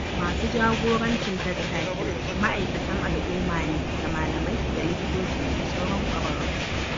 Masu jagorancin tattakin ma'aikatan al'umma ne da malamai da likitoci da sauran ƙwararru.